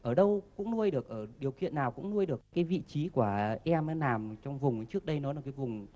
ở đâu cũng nuôi được ở điều kiện nào cũng nuôi được cái vị trí của em nó nằm trong vùng trước đây nó là cái vùng